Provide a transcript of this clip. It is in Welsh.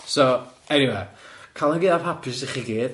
So, eniwe, Calan Gaeaf hapus i chi gyd.